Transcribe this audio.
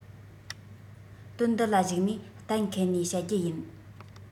དོན འདི ལ གཞིགས ནས གཏན འཁེལ ནས བཤད རྒྱུ ཡིན